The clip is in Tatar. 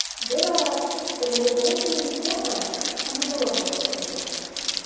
Берара, тәрәзәдәге күренешкә карап, онытылып басып торды.